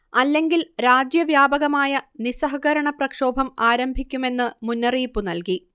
അല്ലെങ്കിൽ രാജ്യവ്യാപകമായ നിസ്സഹകരണ പ്രക്ഷോഭം ആരംഭിക്കും എന്നു മുന്നറിയിപ്പുനൽകി